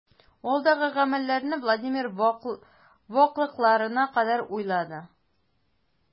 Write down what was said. Алдагы гамәлләрне Владимир ваклыкларына кадәр уйлады.